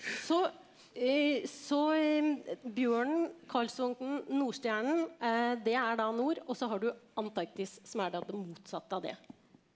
så så bjørnen, Karlsvognen, Nordstjernen det er da nord og så har du Antarktis som er da det motsatte av det.